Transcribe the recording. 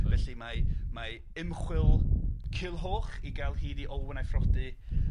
Felly mae mae imchwil Culhwch i ga'l hyd i Olwen a'i phrodi